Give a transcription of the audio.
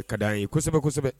I kad'an ye kosɛbɛ-kosɛbɛ